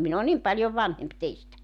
minä olen niin paljon vanhempi teistä